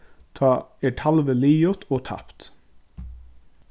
tá er talvið liðugt og tapt